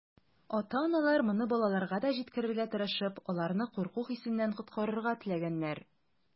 Ата-аналар, моны балаларга да җиткерергә тырышып, аларны курку хисеннән коткарырга теләгәннәр.